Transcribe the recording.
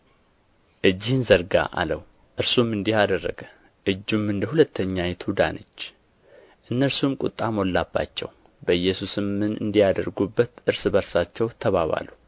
እጅህን ዘርጋ አለው እርሱም እንዲህ አደረገ እጁም እንደ ሁለተኛይቱ ዳነች እነርሱም ቍጣ ሞላባቸው በኢየሱስም ምን እንዲያደርጉበት እርስ በርሳቸው ተባባሉ